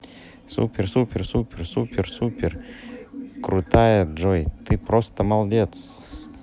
супер супер супер супер супер крутая джой ты просто молодец